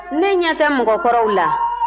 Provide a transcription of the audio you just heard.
ne ɲɛ tɛ mɔgɔkɔrɔw la